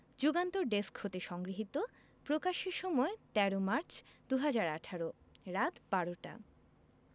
Jugantor desk হতে সংগৃহীত প্রকাশের সময় ১৩ মার্চ ২০১৮ রাত ১২:০০ টা